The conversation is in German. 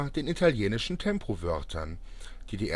den italienischen Tempowörtern, die